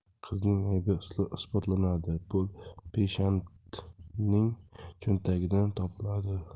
qizning aybi isbotlanadi pul peshbandining cho'ntagidan topiladi